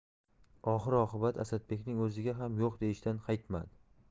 oxir oqibat asadbekning o'ziga ham yo'q deyishdan qaytmadi